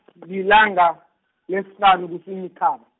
lilanga, lesihlanu kuSinyikhaba.